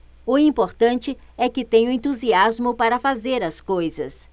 o importante é que tenho entusiasmo para fazer as coisas